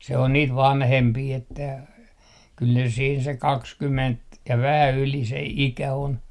se on niitä vanhempia että kyllä ne siinä se kaksikymmentä ja vähän yli se ikä on